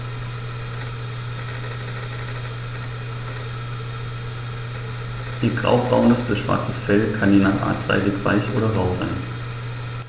Ihr graubraunes bis schwarzes Fell kann je nach Art seidig-weich oder rau sein.